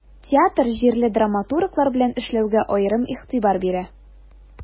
Театр җирле драматурглар белән эшләүгә аерым игътибар бирә.